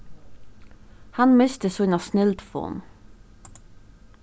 hann misti sína snildfon